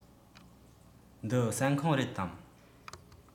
འདི ཟ ཁང རེད དམ